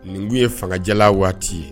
Nin kun ye fangajala waati ye